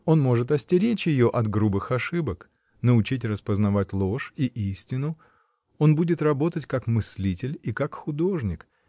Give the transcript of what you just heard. Он может остеречь ее от грубых ошибок, научить распознавать ложь и истину, он будет работать как мыслитель и как художник